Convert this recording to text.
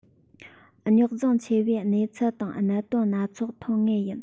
རྙོག འཛིང ཆེ བའི གནས ཚུལ དང གནད དོན སྣ ཚོགས འཐོན ངེས ཡིན